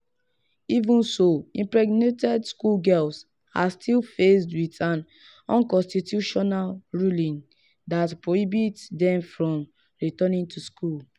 Even so, impregnated schoolgirls are still faced with an unconstitutional ruling that prohibits them from returning to school.